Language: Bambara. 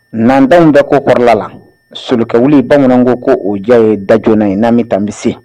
N'an baw bɛ koɔrla la so wuli bamananw ko ko o diya ye da joonaɔnna ye n'aan bɛ tan bɛ